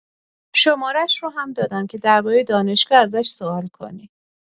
شماره‌ش رو هم داد که درباره دانشگاه ازش سؤال کنی.